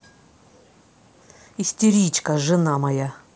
истеричка жена моя